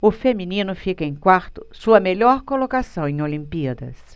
o feminino fica em quarto sua melhor colocação em olimpíadas